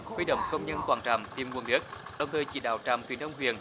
huy động công nhân toàn trạm tìm nguồn nước đồng thời chỉ đạo trạm thủy nông huyện